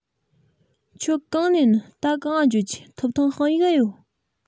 ཁྱོད གང ནས ནིས ད གང ང འགྱོ རྒྱུ ཐོབ ཐང དཔང ཡིག ཨེ ཡོད